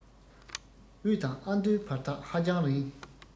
དབུས དང ཨ མདོའི བར ཐག ཧ ཅང རིང